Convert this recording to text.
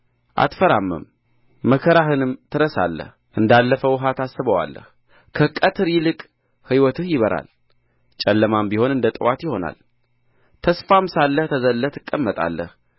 አትፈራምም መከራህንም ትረሳለህ እንዳለፈ ውኃ ታስበዋለህ ከቅትር ይልቅ ሕይወትህ ይበራል ጨለማም ቢሆን እንደ ጥዋት ይሆናል ተስፋም ስላለህ ተዘልለህ ትቀመጣለህ